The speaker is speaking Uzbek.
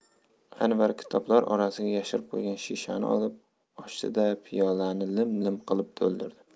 anvar kitoblar orasiga yashirib qo'ygan shishani olib ochdi da piyolani lim lim qilib to'ldirdi